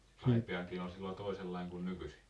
Kaipiainenkin oli silloin toisenlainen kuin nykyisin